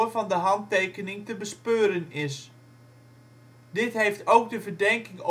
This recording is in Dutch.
van de handtekening te bespeuren is. Dat heeft ook de verdenking